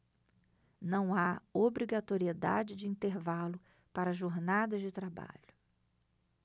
não há obrigatoriedade de intervalo para jornadas de trabalho